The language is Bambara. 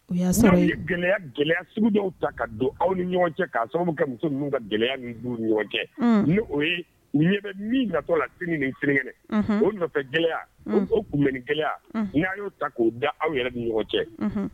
o y'a sɔrɔ n'aw ye gɛlɛya gɛlɛya suguda ta ka don aw ni ɲɔgɔn cɛ ka sababu ka muso ninu ka gɛlɛya ni dun ɲɔgɔn cɛ ni o ye u ɲɛ bɛ min natɔ la sini ni sirikɛnɛ o nɔfɛ gɛlɛya o kunbԑ ni gɛlɛya n'a y'o ta k'o da aw yɛrɛ ni ɲɔgɔn cɛ